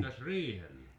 entäs riihellä